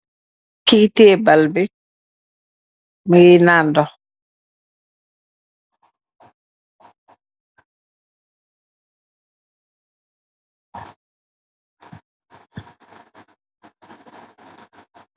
Kee teye ball bi mugi naan ndokh.